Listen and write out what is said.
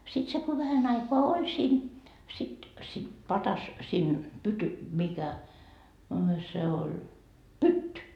sitten se kun vähän aikaa oli siinä sitten sitten padassa siinä - mikä a se oli pytty